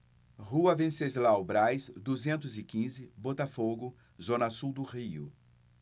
rua venceslau braz duzentos e quinze botafogo zona sul do rio